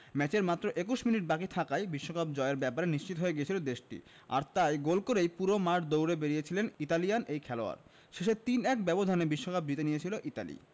ম্যাচের মাত্র ২১ মিনিট বাকি থাকায় বিশ্বকাপ জয়ের ব্যাপারে নিশ্চিত হয়ে গিয়েছিল দেশটি আর তাই গোল করেই পুরো মাঠ দৌড়ে বেড়িয়েছিলেন ইতালিয়ান এই খেলোয়াড় শেষে ৩ ১ ব্যবধানে বিশ্বকাপ জিতে নিয়েছিল ইতালি